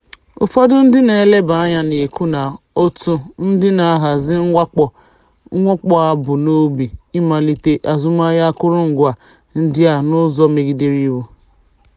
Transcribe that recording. Ụfọdụ ndị na-eleba anya na-ekwu na òtù ndị na-ahazi mwakpo a bu n'obi ịmalite azụmahịa akụrụngwa ndị a n'ụzọ megidere iwu.